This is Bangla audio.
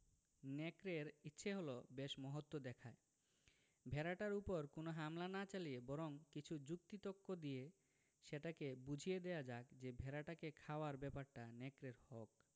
নেকড়ের ইচ্ছে হল বেশ মহত্ব দেখায় ভেড়াটার উপর কোন হামলা না চালিয়ে বরং কিছু যুক্তি তক্ক দিয়ে সেটাকে বুঝিয়ে দেওয়া যাক যে ভেড়াটাকে খাওয়ার ব্যাপারটা নেকড়ের হক